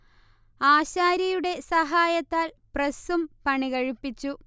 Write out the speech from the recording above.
ആശാരിയുടെ സഹായത്താൽ പ്രസ്സും പണികഴിപ്പിച്ചു